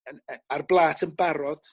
yn yy ar blat yn barod